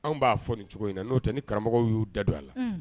Anw b'a fɔ ni cogo in na n'o tɛ ni karamɔgɔw y'u da don a la